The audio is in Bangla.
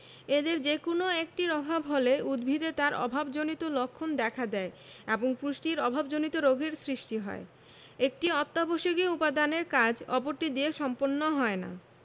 এদের যেকোনো একটির অভাব হলে উদ্ভিদে তার অভাবজনিত লক্ষণ দেখা দেয় এবং পুষ্টির অভাবজনিত রোগের সৃষ্টি হয় একটি অত্যাবশ্যকীয় উপাদানের কাজ অপরটি দিয়ে সম্পন্ন হয় না